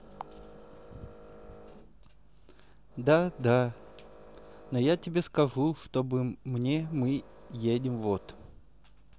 да да но я тебе скажу чтобы мне мы едем вот